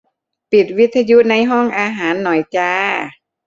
ปิดวิทยุในห้องอาหารหน่อยจ้า